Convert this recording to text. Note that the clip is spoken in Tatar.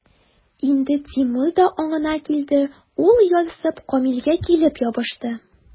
Инде Тимур да аңына килде, ул, ярсып, Камилгә килеп ябышты.